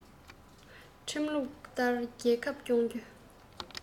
ཁྲིམས ལུགས ལྟར རྒྱལ ཁབ སྐྱོང རྒྱུ